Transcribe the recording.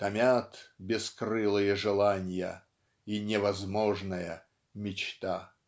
Томят бескрылые желанья И невозможная мечта.